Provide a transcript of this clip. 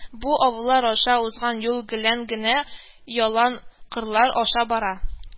Бу авыллар аша узган юл гелән генә ялан-кырлар аша бара